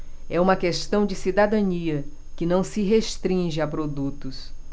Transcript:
é uma questão de cidadania que não se restringe a produtos